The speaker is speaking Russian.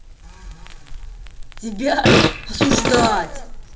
тебя осуждать